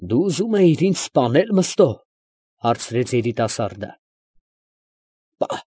Դու ուզում էիր ինձ սպանե՞լ, Մըստո, ֊ հարցրեց երիտասարդը։ ֊ Պա՛։